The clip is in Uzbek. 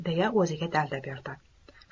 deya o'ziga dalda berdi